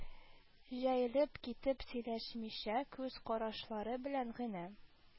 Җәелеп китеп сөйләшмичә, күз карашлары белән генә